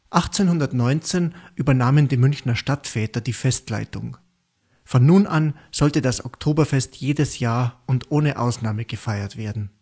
1819 übernahmen die Münchner Stadtväter die Festleitung. Von nun an sollte das Oktoberfest jedes Jahr und ohne Ausnahme gefeiert werden